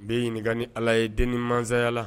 N bɛ ɲininka ni Ala ye den ni mansaya la